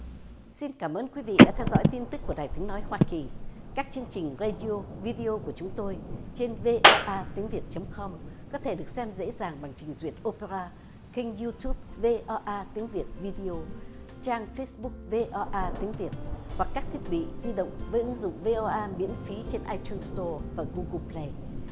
xin cảm ơn quý vị đã theo dõi tin tức của đài tiếng nói hoa kỳ các chương trình rây đi ô vi đi ô của chúng tôi trên vê o a tiếng việt chấm com có thể được xem dễ dàng bằng trình duyệt ô pê ra kênh iu túp vê o a tiếng việt vi đi ô trang phết búc vê o a tiếng việt hoặc các thiết bị di động với ứng dụng vê o a miễn phí trên ai tun sờ to và gu gồ bờ lây